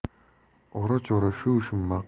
ora chora shu ishim maqulmi